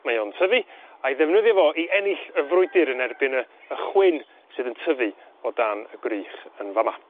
mae o'n tyfu a'i ddefnyddio fo i ennill y frwydyr yn erbyn y y chwyn sydd yn tyfu o dan y gwrych yn fa' 'ma.